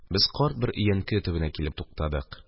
Без карт бер өянке төбенә килеп туктадык.